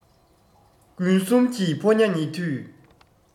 དགུན གསུམ གྱི ཕོ ཉ ཉེ དུས